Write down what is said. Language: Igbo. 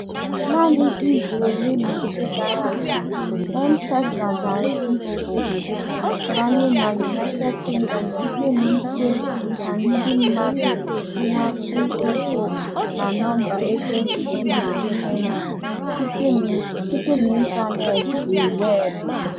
Naanị izu ole na ole gara aga, M-Pesa gara mba ofesi, banye na United Kingdom site n'ikwe ka ndị mmadụ zighachi ego na nọmba ekwentị dị na Kenya site n'ịntaneetị weebụ.